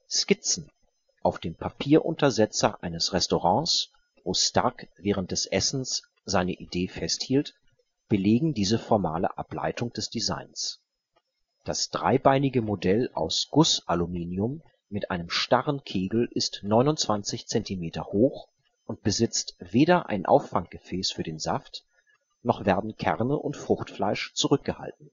Skizzen auf dem Papieruntersetzer eines Restaurants, wo Starck während des Essens seine Idee festhielt, belegen diese formale Ableitung des Designs. Das dreibeinige Modell aus Gussaluminium mit einem starren Kegel ist 29 cm hoch und besitzt weder ein Auffanggefäß für den Saft, noch werden Kerne und Fruchtfleisch zurückgehalten